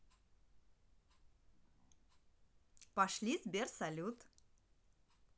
пошли сбер салют